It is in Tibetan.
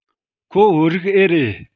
ཁོ བོད རིགས འེ རེད